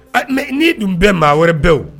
Mɛ ni dun bɛɛ maa wɛrɛ bɛɛ wo